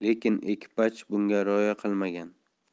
lekin ekipaj bunga rioya qilmagan